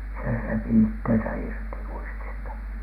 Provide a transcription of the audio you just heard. se repi itsensä irti uistista